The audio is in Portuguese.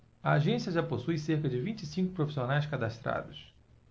a agência já possui cerca de vinte e cinco profissionais cadastrados